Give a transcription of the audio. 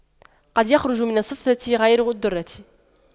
قد يخرج من الصدفة غير الدُّرَّة